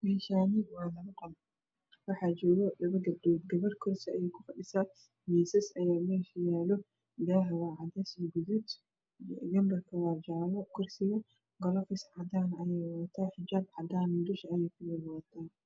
Meeshaani waa qol waxaa joga labo gabdhood gabar kursi ayey ku fadhiyaa miisas ayaa meesha yaalo daaha waa cadays guduud ganbarka waa jaalo kursi waa cadaan galoofis cadaan xijaab cadaan ayey wadataa